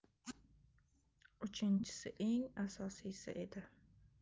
uchinchisi eng asosiysi edi